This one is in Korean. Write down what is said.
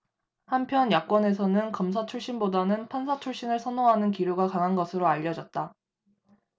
한편 야권에서는 검사 출신보다는 판사 출신을 선호하는 기류가 강한 것으로 알려졌다